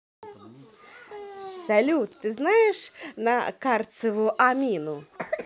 салют ты знаешь на карцеву амину